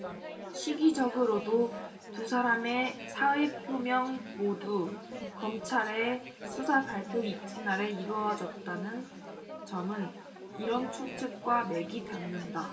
시기적으로도 두 사람의 사의 표명 모두 검찰의 수사발표 이튿날에 이뤄졌다는 점은 이런 추측과 맥이 닿는다